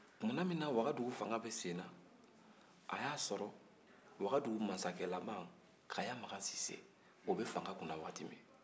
tumana min wagadu fanga bɛ senna a y'a sɔrɔ wagadu masakɛ kaya magan sise o tun tɛ fanga kunna waati min